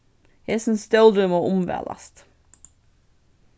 hesin stólurin má umvælast